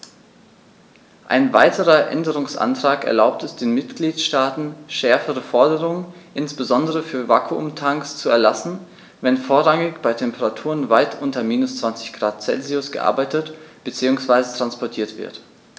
Ein weiterer Änderungsantrag erlaubt es den Mitgliedstaaten, schärfere Forderungen, insbesondere für Vakuumtanks, zu erlassen, wenn vorrangig bei Temperaturen weit unter minus 20º C gearbeitet bzw. transportiert wird.